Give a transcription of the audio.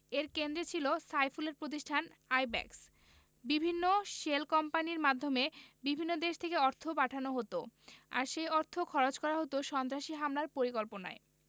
এর কেন্দ্রে ছিল সাইফুলের প্রতিষ্ঠান আইব্যাকস বিভিন্ন শেল কোম্পানির মাধ্যমে বিভিন্ন দেশ থেকে অর্থ পাঠানো হতো আর সেই অর্থ খরচ করা হতো সন্ত্রাসী হামলার পরিকল্পনায়